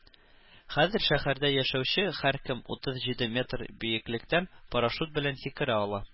Хәзер шәһәрдә яшәүче һәркем утыз җиде метр биеклектән парашют белән сикерә ала